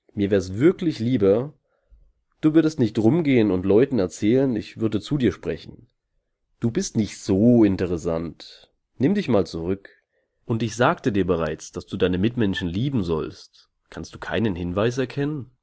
Mir wär’ s wirklich lieber, Du würdest nicht rumgehen und Leuten erzählen, ich würde zu dir sprechen. Du bist nicht SO interessant. Nimm dich mal zurück. Und ich sagte dir bereits, dass du deine Mitmenschen lieben sollst, kannst du keinen Hinweis erkennen